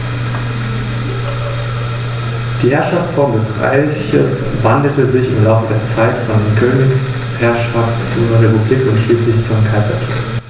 Rom wurde damit zur ‚De-Facto-Vormacht‘ im östlichen Mittelmeerraum.